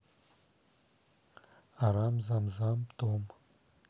арам зам зам том